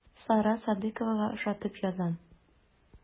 Сара Садыйковага ошатып язам.